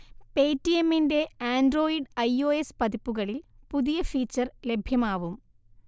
പേറ്റിയമ്മിന്റെ Android iOS പതിപ്പുകളിൽ പുതിയ feature ലഭ്യമാവും